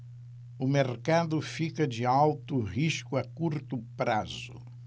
o mercado fica de alto risco a curto prazo